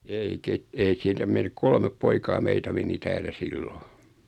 ei - ei sieltä meni kolme poikaa meitä meni täällä silloin